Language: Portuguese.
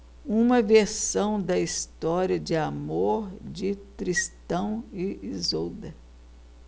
uma versão da história de amor de tristão e isolda